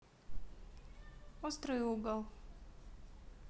острый угол